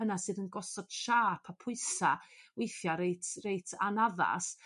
yna sydd yn gosod siâp a pwysa' weithia' reit reit anaddas